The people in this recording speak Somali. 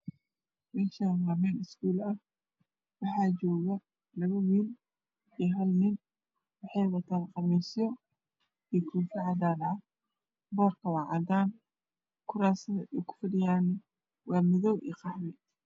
Meshaan waa meel iskuul ah waxaa jogo lapa wiil iyo hala nin waxey wataan qamiisyo iyo koofi cadaana ah koobka waa cadaan kuraasta ey ku fadhiyaan waa madow iyo qaxwi